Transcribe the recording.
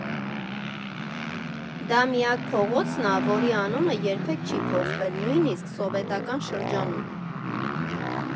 Դա միակ փողոցն ա, որի անունը երբեք չի փոխվել, նույնիսկ սովետական շրջանում.